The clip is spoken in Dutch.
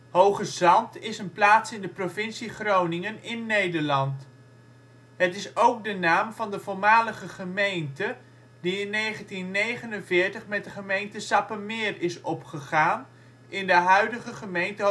Hogezaand) is een plaats in de provincie Groningen in Nederland. Het is ook de naam van de voormalige gemeente die in 1949 met de gemeente Sappemeer is opgegaan in de huidige gemeente